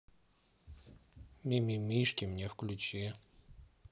ми ми мишки мне включи